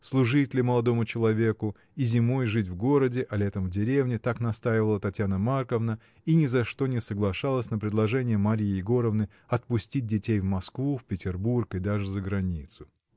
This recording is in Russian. служить ли молодому человеку и зимой жить в городе, а летом в деревне — так настаивала Татьяна Марковна и ни за что не соглашалась на предложение Марьи Егоровны — отпустить детей в Москву, в Петербург и даже за границу.